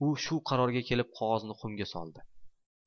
u shu qarorga kelib qog'ozni xumga soldi